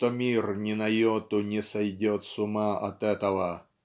что мир ни на йоту не сойдет с ума от этого.